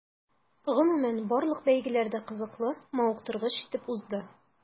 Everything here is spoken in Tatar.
Гомумән, барлык бәйгеләр дә кызыклы, мавыктыргыч итеп узды.